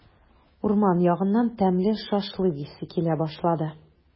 Урман ягыннан тәмле шашлык исе килә башлады.